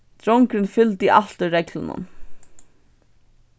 drongurin fylgdi altíð reglunum